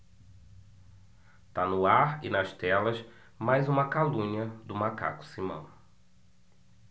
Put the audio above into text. tá no ar e nas telas mais uma calúnia do macaco simão